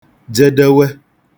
jedewe